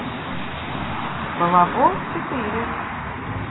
балабол четыре